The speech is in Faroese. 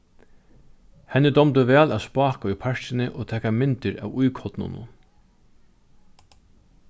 henni dámdi væl at spáka í parkini og taka myndir av íkornunum